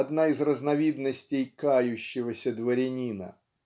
одна из разновидностей "кающегося дворянина".